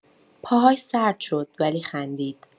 پاهاش سرد شد، ولی خندید.